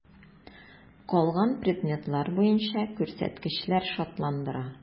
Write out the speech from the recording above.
Калган предметлар буенча күрсәткечләр шатландыра.